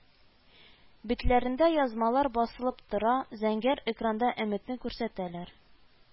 Битләрендә язмалар басылып тора, зәңгәр экранда өметне күрсәтәләр